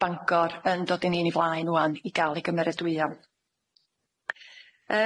Bangor yn dod yn un i flaen ŵan i ga'l ei gymeredwuo.